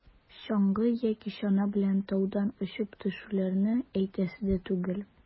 Чаңгы яки чана белән таудан очып төшүләрне әйтәсе дә түгел.